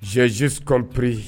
Zsi copri